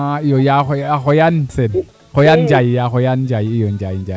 a iyo yaa Xooyaan Seen, Xooyaan NJaay iyo Njaay ,Njaay